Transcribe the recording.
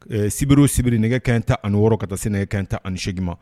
Ɛ sibiriru sibiri nɛgɛ kɛ tan ani ka taa sɛnɛ nɛgɛ kɛ tan ani8 ma